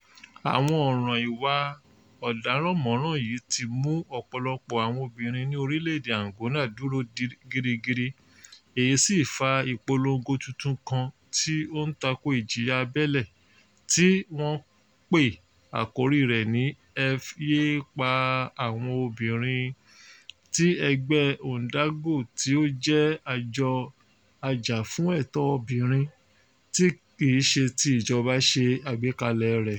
Àwọn ọ̀ràn ìwà ọ̀darànmọràn yìí ti mú ọ̀pọ̀lọpọ̀ àwọn obìnrin ní orílẹ̀-èdè Angola dúró gírígírí, èyí sì fa ìpolongo tuntun kan tí ó ń tako ìjìyà abẹ́lé tí wọ́n pe àkóríi rẹ̀ ní "Ẹ Yé é Pa àwọn Obìnrin" tí Ẹgbẹ́ Ondjango tí ó jẹ́ àjọ ajàfúnẹ̀tọ́ obìnrin tí kì í ṣe ti ìjọba ṣe àgbékalẹ̀ẹ rẹ̀.